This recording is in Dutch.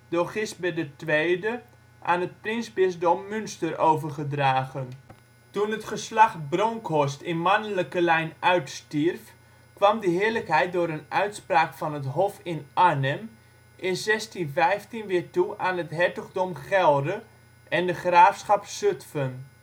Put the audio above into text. door Gisbert II aan het prinsbisdom Münster overgedragen. Toen het geslacht Bronkhorst in mannelijke lijn uitstierf, kwam de heerlijkheid door een uitspraak van het Hof in Arnhem in 1615 weer toe aan het hertogdom Gelre en de graafschap Zutphen